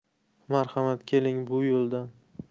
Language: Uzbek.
marhamat keling bu yo'ldan